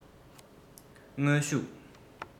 དངོས ཤུགས